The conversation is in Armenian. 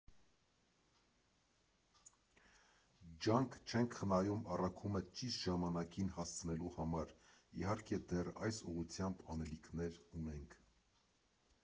Ջանք չենք խնայում առաքումը ճիշտ ժամանակին հասցնելու համար, իհարկե, դեռ այս ուղղությամբ անելիքներ ունենք։